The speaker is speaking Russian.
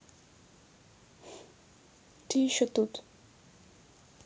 ты еще тут